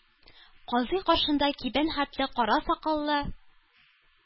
Казый, каршында кибән хәтле кара сакаллы